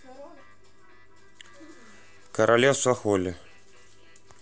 королевство холли